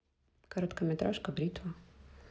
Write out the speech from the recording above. короткометражка бритва